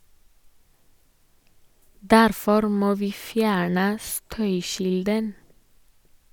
Derfor må vi fjerne støykilden.